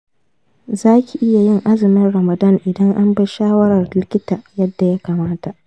za ki iya yin azumin ramadan idan an bi shawarar likita yadda ya kamata.